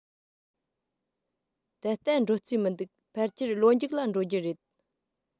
ད ལྟ འགྲོ རྩིས མི འདུག ཕལ ཆེར ལོ མཇུག ལ འགྲོ རྒྱུ རེད